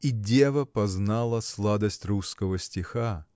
И дева познала сладость русского стиха.